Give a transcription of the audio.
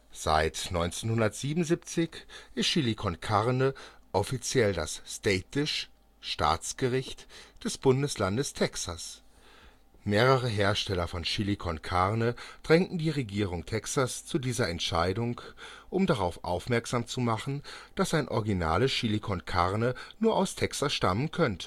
Seit 1977 ist Chili con Carne offiziell das State Dish (Staatsgericht) des Bundeslandes Texas. Mehrere Hersteller von Chili con Carne drängten die Regierung Texas ' zu dieser Entscheidung, um darauf aufmerksam zu machen, dass ein originales Chili con Carne nur aus Texas stammen könne